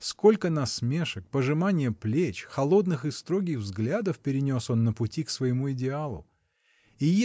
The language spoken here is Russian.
Сколько насмешек, пожимания плеч, холодных и строгих взглядов перенес он на пути к своему идеалу дела!